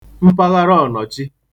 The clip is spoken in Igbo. mpagharaọ̀nọ̀chi